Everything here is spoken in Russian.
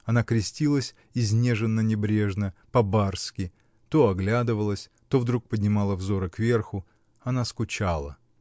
она крестилась изнеженно-небрежно, по-барски -- то оглядывалась, то вдруг поднимала взоры кверху: она скучала.